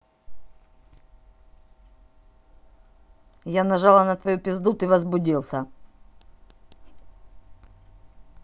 я нажала на твою пизду ты возбудился